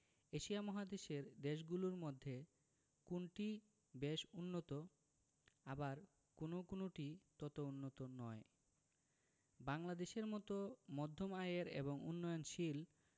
Asia মহাদেশের দেশগুলোর মধ্যে কোনটি বেশ উন্নত আবার কোনো কোনোটি তত উন্নত নয় বাংলাদেশের মতো মধ্যম আয়ের এবং উন্নয়নশীল